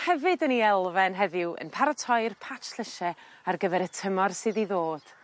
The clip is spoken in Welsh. ...hefyd yn 'i elfen heddiw yn paratoi'r patch llyshe ar gyfer y tymor sydd i ddod.